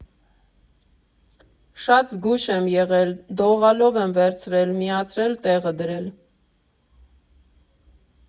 Շատ զգույշ եմ եղել, դողալով եմ վերցրել, միացրել, տեղը դրել։